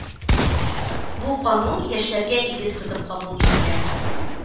Бу канун яшьләргә йөз тотып кабул ителә